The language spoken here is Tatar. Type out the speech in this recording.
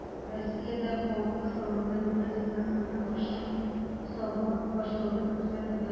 Россиядә калыпка салынган методикалар сезон башын салмак башлауны күздә тота: